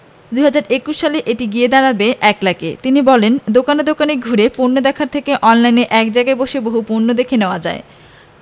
২০২১ সালে এটি গিয়ে দাঁড়াবে ১ লাখে তিনি বলেন দোকানে দোকানে ঘুরে পণ্য দেখার থেকে অনলাইনে এক জায়গায় বসে বহু পণ্য দেখে নেওয়া যায়